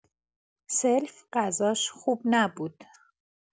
سلف غذاش خوب نبود